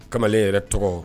Kamalen yɛrɛ tɔgɔ